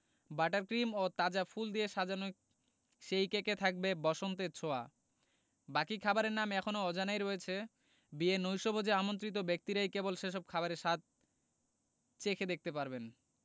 butter cream ও তাজা ফুল দিয়ে সাজানো সেই কেকে থাকবে বসন্তের ছোঁয়া বাকি খাবারের নাম এখনো অজানাই রয়েছে বিয়ের নৈশভোজে আমন্ত্রিত ব্যক্তিরাই কেবল সেসব খাবারের স্বাদ চেখে দেখতে পারবেন